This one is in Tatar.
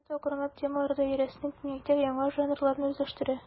Газета акрынлап темалар даирәсен киңәйтә, яңа жанрларны үзләштерә.